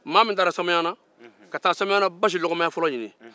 maa min taara samaɲana ka taa samaɲana basi nɔgɔmaya fɔlɔ ɲini